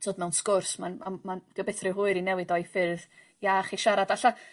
t'od mewn sgwrs ma'n a ma'n 'di o byth rhy hwyr i newid o i ffyrdd iach i siarad alla